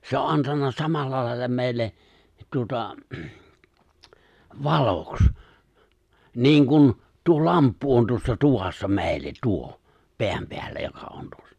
se on antanut samalla lailla meille tuota valoksi niin kuin tuo lamppu on tuossa tuvassa meille tuo pään päällä joka on tuossa